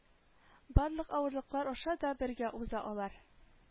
Барлык авырлыклар аша да бергә уза алар